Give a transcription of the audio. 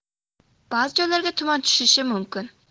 ba'zi joylarga tuman tushishi mumkin